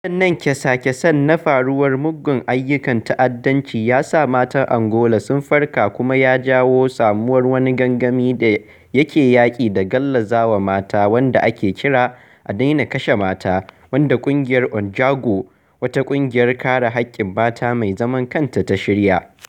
Waɗannan kyasakyasan na faruwar muggan ayyukan ta'addanci ya sa matan Angola sun farka kuma ya jawo samuwar wani gangami da yake yaƙi da gallazawa mata wanda ake kira "A daina kashe mata," wanda ƙungiyar Ondjango, wata ƙungiyar kare haƙƙin mata mai zaman kanta ta shirya.